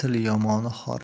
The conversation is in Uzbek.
til yomoni xor etar